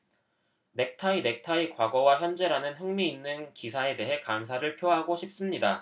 넥타이 넥타이 과거와 현재라는 흥미 있는 기사에 대해 감사를 표하고 싶습니다